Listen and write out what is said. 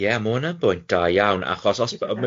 Ie, ma' hwnna'n bwynt da iawn, achos os b- ma' fi'n